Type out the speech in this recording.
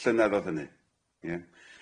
Llynedd o'dd hynny ie?